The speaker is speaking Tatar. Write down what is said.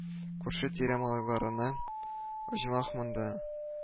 Күрше-тирә малайларына оҗмах монда